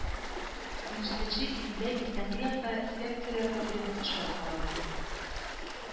Унҗиденече июньдә иртәнге якта секцияләргә бүленеп эшләү каралган